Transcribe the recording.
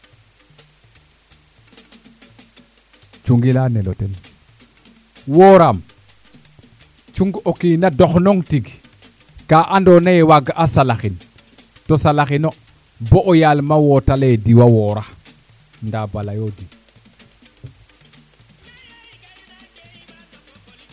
cungi leya nelo ten wooram cungi o kina doxnong tig ka ando naye waaga salaxin to salaxino bo o yaal ma woot e diwa woora nda bo leyodin